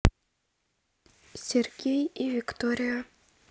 сергей и виктория